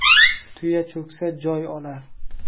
tuya cho'ksa joy olar